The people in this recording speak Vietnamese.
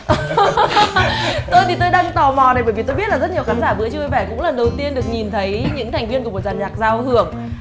ơ hơ hớ tôi thì tôi đang tò mò để bởi vì tôi biết là rất nhiều khán giả bữa trưa vui vẻ cũng lần đầu tiên được nhìn thấy những thành viên của dàn nhạc giao hưởng